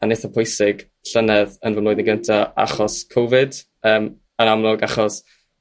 yn eitha' pwysig llynedd yn fy mlwydd gyntaf achos Cofid yn amlwg achos